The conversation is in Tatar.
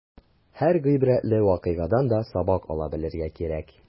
Һәр гыйбрәтле вакыйгадан да сабак ала белергә кирәк.